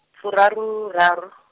furaruraru .